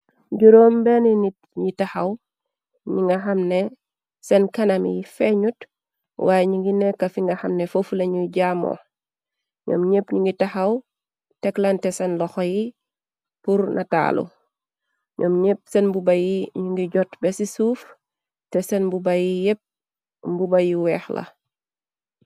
Juróom benn nit yi taxaw, ñi nga xamne seen kanam yi feeñut, waaye ñi ngi nekka fi nga xamne, fofu lañuy jaamoox. Ñoom ñépp ñu ngi taxaw teklante seen loxo yi, pur . Ñoom ñépp seen buba yi ñu ngi jot be ci suuf, te seen buba yi yépp mbuba yu weex la.